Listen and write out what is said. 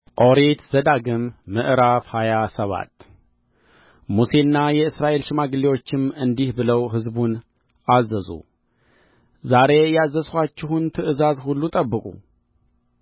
ኦሪት ዘዳግም ምዕራፍ ሃያ ሰባት ሙሴና የእስራኤል ሽማግሌዎችም እንዲህ ብለው ሕዝቡን አዘዙ ዛሬ ያዘዝኋችሁን ትእዛዝ ሁሉ ጠብቁ